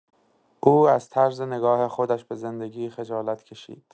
او از طرز نگاه خودش به زندگی خجالت کشید.